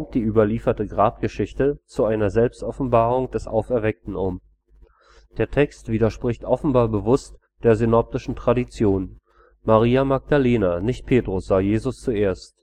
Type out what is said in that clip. die überlieferte Grabgeschichte zu einer Selbstoffenbarung des Auferweckten um. Der Text widerspricht offenbar bewusst der synoptischen Tradition: Maria Magdalena, nicht Petrus sah Jesus zuerst